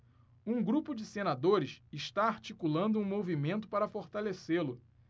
um grupo de senadores está articulando um movimento para fortalecê-lo